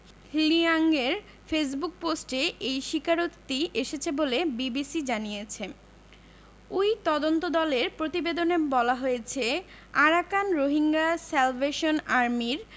হ্লিয়াংয়ের ফেসবুক পোস্টে এই স্বীকারোক্তি এসেছে বলে বিবিসি জানিয়েছে ওই তদন্তদলের প্রতিবেদনে বলা হয়েছে আরাকান রোহিঙ্গা স্যালভেশন আর্মির